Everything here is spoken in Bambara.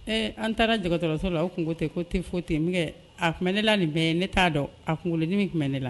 Ee an taara _ docteur la u kun ya fɔ ten tifoyit . Mais a kun bɛ ne la nin bɛɛ ye ne tun ta dɔn a kunkolodi kun bɛ